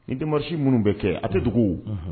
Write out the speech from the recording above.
Ni demarches minnu bɛ kɛ , a tɛ dogo wo., unhun .